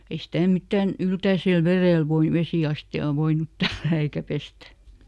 ei sitä mitään yltäisellä vedellä - vesiastiaan voinut tällätä eikä pestä